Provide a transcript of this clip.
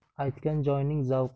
aytgan joyning zavqi